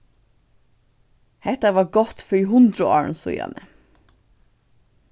hetta var gott fyri hundrað árum síðani